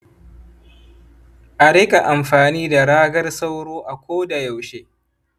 a rika amfani da ragar sauro a koda yaushe